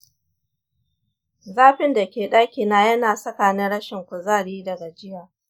zafin da ke ɗakina ya na saka ni rashin kuzari da gajiya.